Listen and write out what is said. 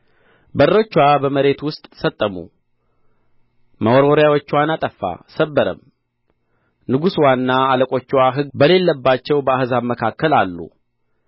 በሮችዋ በመሬት ውስጥ ሰጠሙ መወርወሪያዎችዋን አጠፋ ሰበረም ንጉሥዋና አለቆችዋ ሕግ በሌለባቸው በአሕዛብ መካከል አሉ